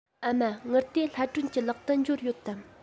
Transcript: ཨ མ དངུལ དེ ལྷ སྒྲོན གྱི ལག ཏུ འབྱོར ཡོད དམ